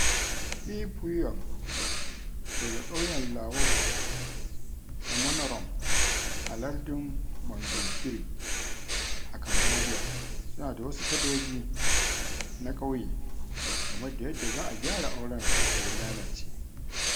Hea Phoeun daga ƙauyen Laoka, Semonorom, a lardin Mondulkiri a Cambodiya suna da wasu tadoji na ƙauye game da yadda za a gyara auren da ya lalace.